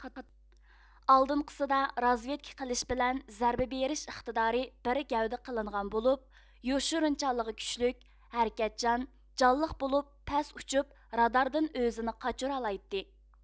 ئالدىنقىسىدا رازۋېدكا قىلىش بىلەن زەربە بېرىش ئىقتىدارى بىر گەۋدە قىلىنغان بولۇپ يوشۇرۇنچانلىقى كۈچلۈك ھەرىكەتچان جانلىق بولۇپ پەس ئۇچۇپ راداردىن ئۆزىنى قاچۇرالايتتى